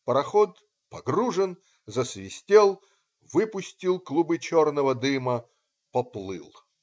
Пароход - погружен, засвистел, выпустил клубы черного дыма, поплыл.